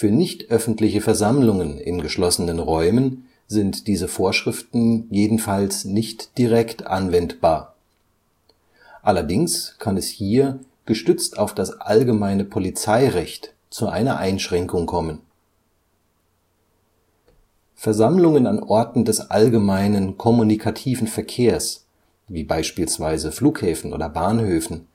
nichtöffentliche Versammlungen in geschlossenen Räumen sind diese Vorschriften jedenfalls nicht direkt anwendbar. Allerdings kann es hier gestützt auf das allgemeine Polizeirecht zu einer Einschränkung kommen. Versammlungen an Orten des allgemeinen kommunikativen Verkehrs, wie beispielsweise Flughäfen oder Bahnhöfen